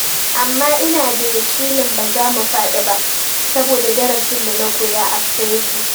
Amma inada yakinin bazamu fadi ba, saboda darasin da na koya a Prague.